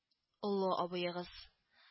Олы абыегыз